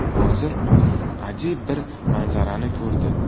hozir ajib bir manzarani ko'rdi